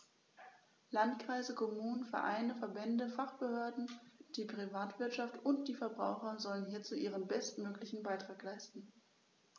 Landkreise, Kommunen, Vereine, Verbände, Fachbehörden, die Privatwirtschaft und die Verbraucher sollen hierzu ihren bestmöglichen Beitrag leisten.